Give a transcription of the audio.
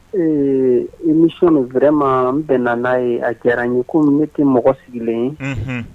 Ee imini wɛrɛma n bɛna na n'a ye a diyara n ye ko ne tɛ mɔgɔ sigilen ye